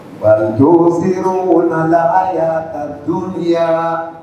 Bal tou oussirouna la ayatal dounouya